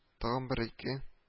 Тагын бер-ике